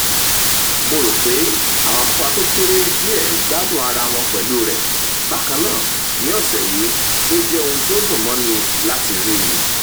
"Mo rò pé àwọn àkópa tó kéré díẹ̀ gbádùn ara wọn pẹ̀lú rẹ̀, bakan náà, ní ọ̀ṣẹ̀ yìí, tí ó jẹ́ ohun tí ó dùn mọ́ni láti rí.